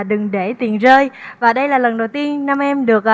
đừng để tiền rơi và đây là lần đầu tiên nam em được